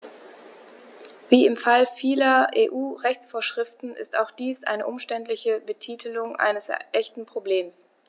Wie im Fall vieler EU-Rechtsvorschriften ist auch dies eine umständliche Betitelung eines echten Problems.